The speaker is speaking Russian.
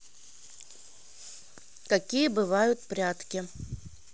какие бывают прятки